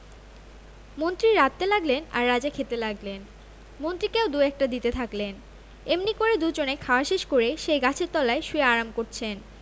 মন্ত্রী রাঁধতে লাগলেন আর রাজা খেতে লাগলেন মন্ত্রীকেও দু একটা দিতে থাকলেন এমনি করে দুজনে খাওয়া শেষ করে সেই গাছের তলায় শুয়ে আরাম করছেন